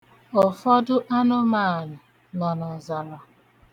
Ụfọdụ anụmanụ nọ n'ọzara.